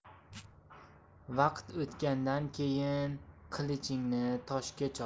vaqt o'tgandan keyin qilichingni toshga chop